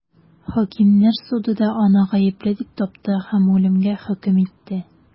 Хакимнәр суды да аны гаепле дип тапты һәм үлемгә хөкем итте.